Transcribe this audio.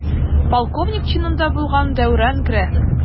Полковник чинында булган Дәүран керә.